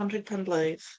Anrheg pen-blwydd.